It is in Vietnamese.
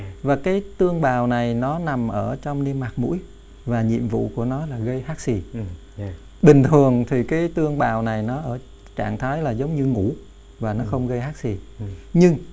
và cái tương bào này nó nằm ở trong niêm mạc mũi và nhiệm vụ của nó là gây hắt xì bình thường thì cái tương bào này nó ở trạng thái là giống như ngủ và nó không gây hắt xì nhưng